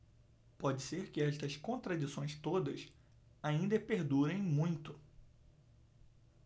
pode ser que estas contradições todas ainda perdurem muito